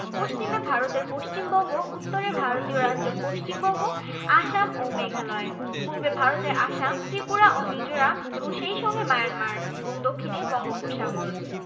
পশ্চিমে ভারতের পশ্চিমবঙ্গ উত্তরে ভারতীয় রাজ্য পশ্চিমবঙ্গ আসাম ও মেঘালয় পূর্বে ভারতের আসাম ত্রিপুরা ও মিজোরাম এবং সেই সঙ্গে মায়ানমার এবং দক্ষিণে বঙ্গোপসাগর